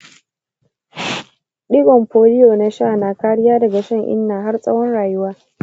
digon polio na sha na kariya daga shan inna har tsawon rayuwa